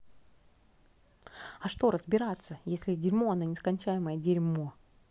а что разбираться если дерьмо она нескончаемое дерьмо